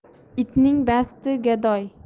itning basti gadoy